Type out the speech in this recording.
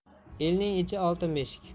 elning ichi oltin beshik